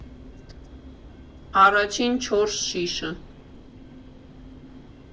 Առաջին չորս շիշը։